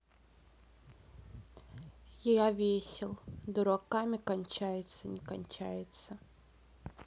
я весел дураками кончается не кончается